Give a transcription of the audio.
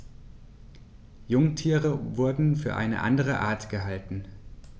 Jungtiere wurden für eine andere Art gehalten.